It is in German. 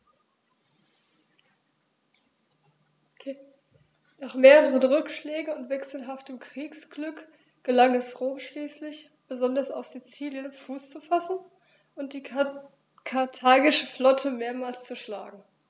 Nach mehreren Rückschlägen und wechselhaftem Kriegsglück gelang es Rom schließlich, besonders auf Sizilien Fuß zu fassen und die karthagische Flotte mehrmals zu schlagen.